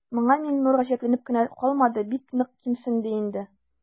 Моңа Миңнур гаҗәпләнеп кенә калмады, бик нык кимсенде дә.